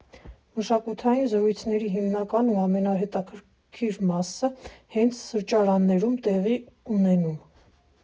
Մշակութային զրույցների հիմնական ու ամենահետաքրքի մասը հենց սրճարաններում է տեղի ունենում։